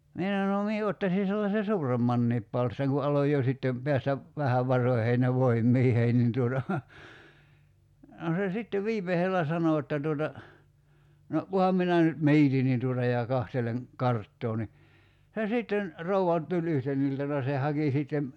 minä sanoin no minä ottaisin sellaisen suuremmankin palstan kun aloin jo sitten päästä vähän varoihini ja voimiini niin tuota no se sitten viimeisellä sanoi jotta tuota no kunhan minä nyt mietin niin tuota ja katselen karttaa niin se sitten rouva tuli yhtenä iltana se haki sitten